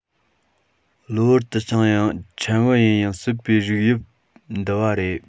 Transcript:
གློ བུར དུ བྱུང ཡང ཕྲན བུ ཡིན ཡང སྲིད པའི རིགས དབྱིབས འདུ བ རེད